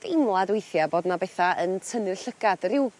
deimlad weithia' bod 'na betha yn tynnu'r llygad ryw